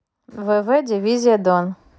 вэ вэ дивизия дон